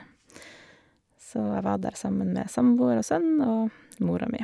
Så jeg var der sammen med samboer og sønn og mora mi.